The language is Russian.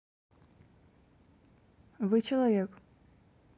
вы человек